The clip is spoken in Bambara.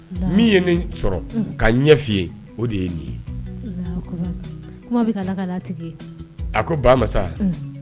Min ye ne ka ɲɛ fɔ ye o de ye nin ye ko ba